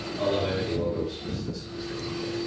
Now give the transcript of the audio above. o na mae wedi weld Ghostbusters achos diom yn sgeri.